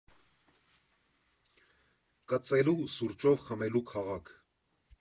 Կծելու՝ սուրճով խմելու քաղաք։